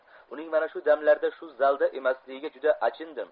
uning mana shu damlarda shu zalda emasligiga juda achindim